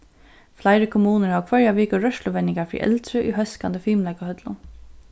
fleiri kommunur hava hvørja viku rørsluvenjingar fyri eldri í hóskandi fimleikahøllum